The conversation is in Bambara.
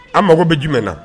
An mago bɛ jumɛnɛna